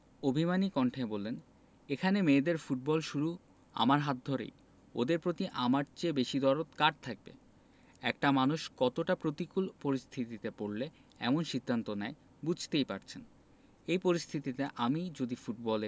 football থেকে দূরে সরে যাওয়া মফিজ উদ্দিন অভিমানী কণ্ঠে বললেন এখানে মেয়েদের ফুটবল শুরু আমার হাত ধরেই ওদের প্রতি আমার চেয়ে বেশি দরদ কার থাকবে একটা মানুষ কতটা প্রতিকূল পরিস্থিতিতে পড়লে এমন সিদ্ধান্ত নেয় বুঝতেই পারছেন